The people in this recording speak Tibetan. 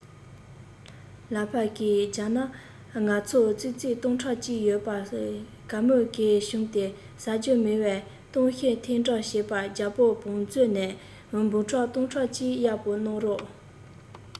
ལ ཕ གིའི རྒྱབ ན ང ཚོ ཙི ཙི སྟིང ཕྲག གཅིག ཡོད པ ག མུ གེ བྱུང སྟེ ཟ རྒྱུ མེད བས ལྟོགས ཤི ཐེབས གྲབས བྱེད པས རྒྱལ པོའི བང མཛོད ནས འབྲུ ཁལ སྟོང ཕྲག གཅིག གཡར པོ གནང རོགས